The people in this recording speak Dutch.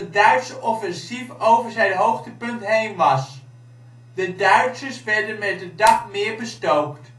Duitse offensief over zijn hoogtepunt heen was. De Duitsers werden met de dag meer bestookt